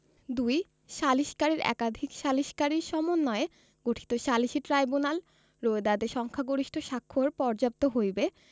২ সালিসীকারীর একাধিক সালিসকারীর সমন্বয়ে গঠিত সালিসী ট্রাইব্যুনাল রোয়েদাদে সংখ্যাগরিষ্ঠ স্বাক্ষর পর্যাপ্ত হইবে